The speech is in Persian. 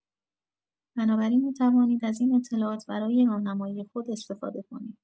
بنابراین می‌توانید از این اطلاعات برای راهنمایی خود استفاده کنید.